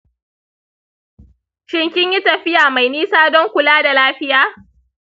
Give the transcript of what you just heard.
shin kinyi tafiya mai nisa don kula da lafiya?